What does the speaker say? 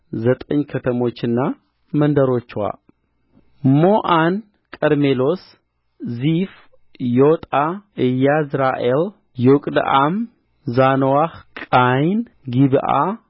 ዘጠኝ ከተሞችና መንደሮቻቸው ማዖን ቀርሜሎስ ዚፍ ዩጣ ኢይዝራኤል ዮቅድዓም ዛኖዋሕ ቃይን ጊብዓ